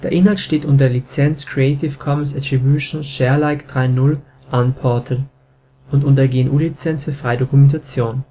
Inhalt steht unter der Lizenz Creative Commons Attribution Share Alike 3 Punkt 0 Unported und unter der GNU Lizenz für freie Dokumentation